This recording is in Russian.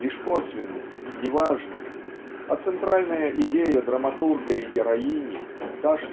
лишь косвенный, неважный, а центральная идея драматурга и героини та